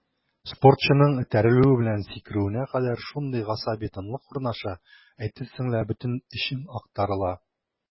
Спортчының этәрелүе белән сикерүенә кадәр шундый гасаби тынлык урнаша, әйтерсең лә бөтен эчең актарыла.